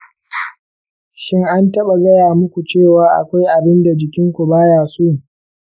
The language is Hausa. shin an taɓa gaya muku cewa akwai abin da jikin ku ba ya so?